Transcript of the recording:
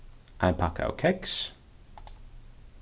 ein pakka av keks